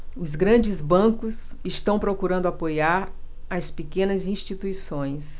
os grandes bancos estão procurando apoiar as pequenas instituições